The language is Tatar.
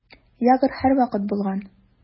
Ягр һәрвакыт булган.